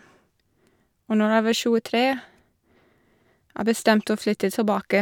Og når jeg var tjuetre, jeg bestemte å flytte tilbake.